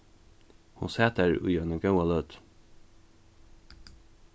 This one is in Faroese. hon sat har í eina góða løtu